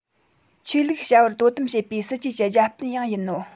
ཆོས ལུགས བྱ བར དོ དམ བྱེད པའི སྲིད ཇུས ཀྱི རྒྱབ བརྟེན ཡང ཡིན ནོ